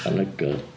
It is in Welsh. Anhygoel.